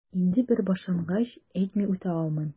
Инде бер башлангач, әйтми үтә алмыйм...